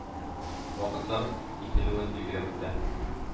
Вакыт сарыф ителүен билгеләп үтә.